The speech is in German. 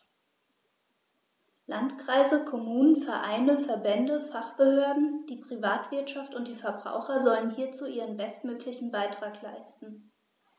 Landkreise, Kommunen, Vereine, Verbände, Fachbehörden, die Privatwirtschaft und die Verbraucher sollen hierzu ihren bestmöglichen Beitrag leisten.